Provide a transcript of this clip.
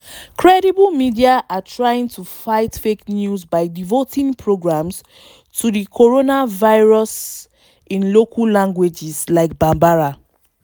Credible media are trying to fight fake news by devoting programmes to the coronavirus in local languages like #bambara